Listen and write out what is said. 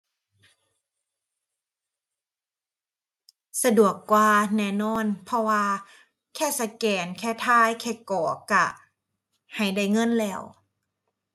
สะดวกกว่าแน่นอน เพราะว่าแค่สแกน แค่ถ่าย แค่กรอก ก็ ให้ได้เงินแล้ว